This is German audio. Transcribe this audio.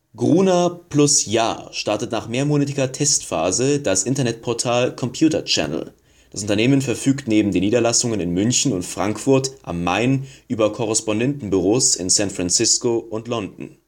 Gruner + Jahr startet nach mehrmonatiger Testphase das Internetportal Computer Channel. Das Unternehmen verfügt neben den Niederlassungen in München und Frankfurt am Main über Korrespondentenbüros in San Francisco und London